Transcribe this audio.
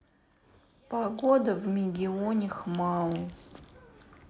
погода в мегионе хмао